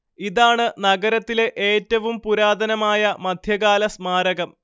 ഇതാണ് നഗരത്തിലെ ഏറ്റവും പുരാതനമായ മധ്യകാല സ്മാരകം